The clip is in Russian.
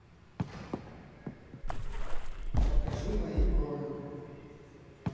покажи мои бронь